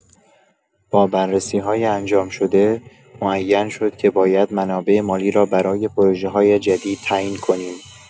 با بررسی‌های انجام شده، معین شد که باید منابع مالی را برای پروژه‌های جدید تعیین کنیم.